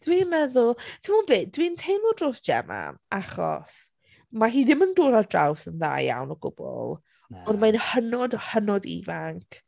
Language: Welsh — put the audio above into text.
Dwi'n meddwl timod be? Dwi'n teimlo dros Gemma achos mae hi'n ddim yn dod ar draws yn dda iawn o gwbl... na ...ond mae hi'n hynod, hynod ifanc.